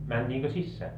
mentiinkö sisään